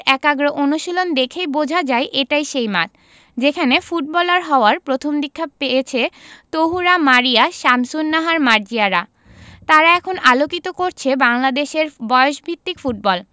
একাগ্র অনুশীলন দেখেই বোঝা যায় এটাই সেই মাঠ যেখানে ফুটবলার হওয়ার প্রথম দীক্ষা পেয়েছে তহুরা মারিয়া শামসুন্নাহার মার্জিয়ারা তারা এখন আলোকিত করছে বাংলাদেশের বয়সভিত্তিক ফুটবল